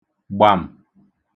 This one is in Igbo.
gbàm̀